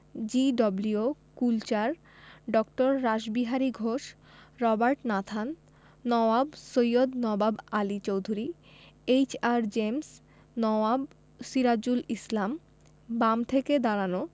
G W. Kuchler ড. Rashbehari Ghosh Robert Nathan Nawab Syed Nawab Ali Chowdhury H R. James Nawab Sirajul Islam বাম থেকে দাঁড়ানো